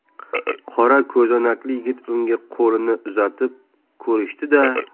qora ko'zoynakli yigit unga qo'lini uzatib ko'rishdi da